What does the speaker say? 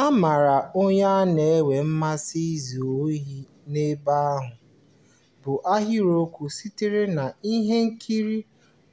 A maara onye na-enwe mmasị izu ohi n'ebe a! bụ ahịrịokwu sitere n'ihe nkiri